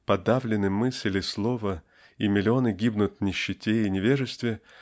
подавлены мысль и слово и миллионы гибнут в нищете и невежестве